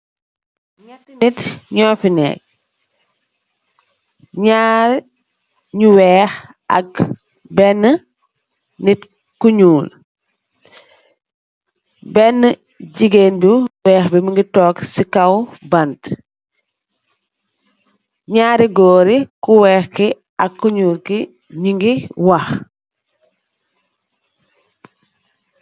Nyatti nit nyu fi neh nyarr nyu wekh ak benah nit ku nyul. Bena gigeen bu wekh bi munge tog si kaw bante nyarri goor yi ki wekh ak ku nyull nyunge wakh